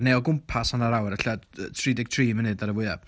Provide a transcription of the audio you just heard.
Neu o gwmpas hanner awr ella. Yy, tri deg tri munud ar y fwya.